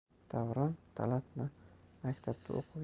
davron talatni maktabda o'qib